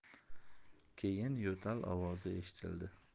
keyin yo'tal ovozi eshitildi